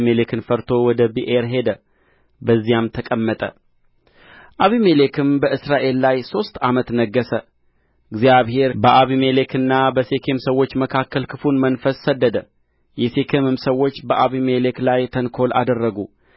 አቤሜሌክን ፈርቶ ወደ ብኤር ሄደ በዚያም ተቀመጠ አቤሜሌክም በእስራኤል ላይ ሦስት ዓመት ነገሠ እግዚአብሔር በአቤሜሌክና በሴኬም ሰዎች መካከል ክፉን መንፈስ ሰደደ የሴኬምም ሰዎች በአቤሜሌክ ላይ ተንኰል አደረጉ